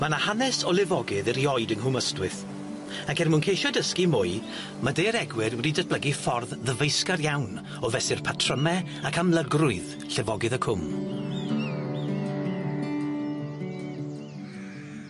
Ma' 'na hanes o lefogydd erioed yng Nghym Ystwyth ac er mwyn ceisio dysgu mwy ma' daearegwyr wedi datblygu ffordd ddyfeisgar iawn o fesur patryme ac amlygrwydd llefogydd y cwm.